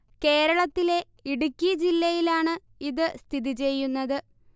കേരളത്തിലെ ഇടിക്കി ജില്ലയിലാണ് ഇത് സ്ഥിതി ചെയ്യുന്നത്